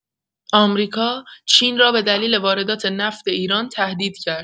آمریکا، چین را به دلیل واردات نفت ایران تهدید کرد